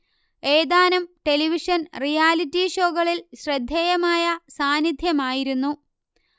ഏതാനും television reality ഷോകളിൽ ശ്രദ്ധേയമായ സാന്നിദ്ധ്യം ആയിരുന്നു